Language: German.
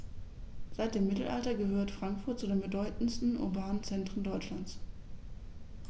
Seit dem Mittelalter gehört Frankfurt zu den bedeutenden urbanen Zentren Deutschlands.